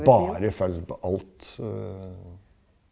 bare følg den på alt .